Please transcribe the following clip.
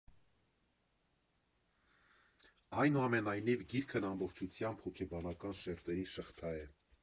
Այնուամենայնիվ, գիրքն ամբողջությամբ հոգեբանական շերտերի շղթա է։